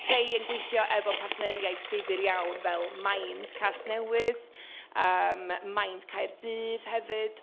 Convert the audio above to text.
Rhai yn gweithio efo partneriaid dyfir iawn fel Mind Casnewydd, Mind Caerdydd hefyd.